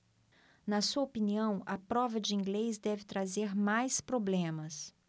na sua opinião a prova de inglês deve trazer mais problemas